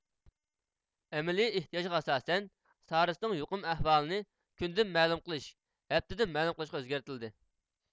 ئەمەلىي ئېھتىياجغا ئاساسەن سارسنىڭ يۇقۇم ئەھۋالىنى كۈندە مەلۇم قىلىش ھەپتىدە مەلۇم قىلىشقا ئۆزگەرتىلدى